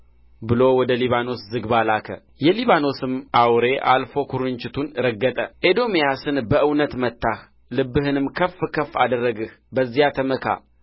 ብሎ ወደ ሊባኖስ ዝግባ ላከ የሊባኖስም አውሬ አልፎ ኵርንችቱን ረገጠ ኤዶምያስን በእውነት መታህ ልብህንም ከፍ ከፍ አደረግህ በዚያ ተመካ